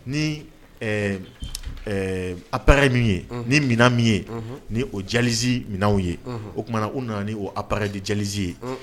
Ni apra ye min ye ni minɛn min ye ni o jaz minɛnw ye o tumana u nana ni' ap de jaz ye